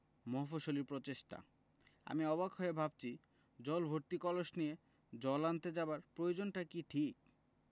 মফস্বলী প্রচেষ্টা আমি অবাক হয়ে ভাবছি জল ভর্তি কলস নিয়ে জল আনতে যাবার প্রয়ােজনটি কি ঠিক